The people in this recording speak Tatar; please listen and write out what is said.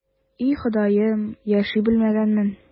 И, Ходаем, яши белмәгәнмен...